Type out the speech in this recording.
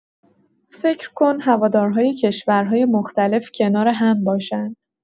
فکر کن هوادارهای کشورهای مختلف کنار هم باشن.